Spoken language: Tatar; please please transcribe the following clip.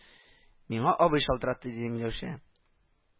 — миңа абый шалтыратты, — диде миләүшә